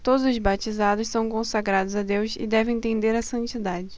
todos os batizados são consagrados a deus e devem tender à santidade